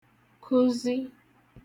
kụzi